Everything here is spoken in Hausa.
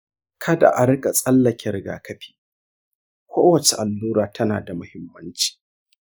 kada a rika tsallake rigakafi. kowace allura tana da muhimmanci.